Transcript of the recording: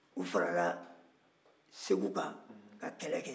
u farala segu kan ka kɛlɛ kɛ